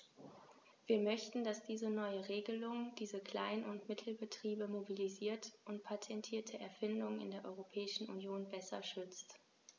Wir möchten, dass diese neue Regelung diese Klein- und Mittelbetriebe mobilisiert und patentierte Erfindungen in der Europäischen Union besser schützt.